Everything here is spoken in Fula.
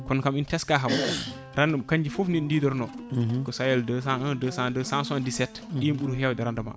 kono kam ina teska kam rende kanƴi foof noɗi didorino ko Sayel 201 202 177 ɗin ɓuuri hewde rendement